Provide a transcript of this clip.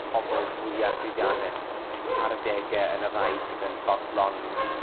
pobol mwya llwyddiannus ar adege yn y rhai sydd yn fodlon